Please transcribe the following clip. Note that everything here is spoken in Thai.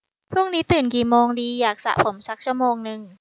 พรุ่งนี้ตื่นกี่โมงดีอยากสระผมซักชั่วโมงนึง